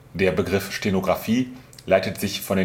Der Begriff Stenografie leitet sich von